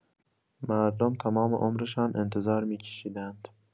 مردم تمام عمرشان انتظار می‌کشیدند.